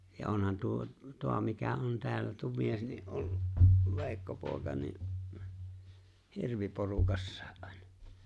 ja onhan tuo tuo mikä on täällä tuo mies niin ollut Veikko poika niin hirviporukassa aina